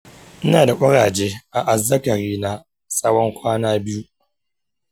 ina da kuraje a azzakarina tsawon kwana biyu.